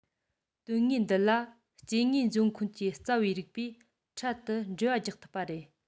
དངོས དོན འདི ལ སྐྱེ དངོས འབྱུང ཁུངས ཀྱི རྩ བའི རིགས པས འཕྲལ དུ འགྲེལ བ རྒྱག ཐུབ པ རེད